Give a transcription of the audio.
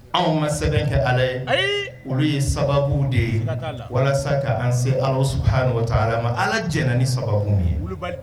Anw ma sɛbɛn kɛ ala ye olu ye sababu de ye walasa ka an se ala su nɔgɔ ta ala ma ala j ni sababu min ye